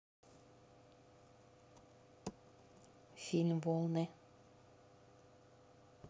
фильм волны